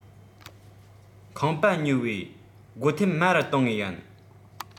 ཁང པ ཉོས པའི སྒོ ཐེམ དམའ རུ གཏོང ངེས ཡིན